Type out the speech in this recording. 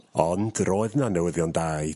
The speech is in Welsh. Ond roedd 'na newyddion da i...